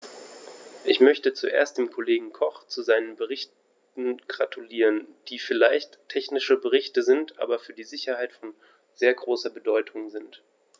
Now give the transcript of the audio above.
Ich möchte zuerst dem Kollegen Koch zu seinen Berichten gratulieren, die vielleicht technische Berichte sind, aber für die Sicherheit von sehr großer Bedeutung sind.